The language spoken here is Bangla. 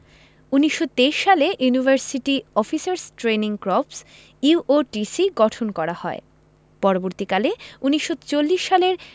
১৯২৩ সালে university officers training corps UOTC গঠন করা হয় পরবর্তীকালে ১৯৪০ সালের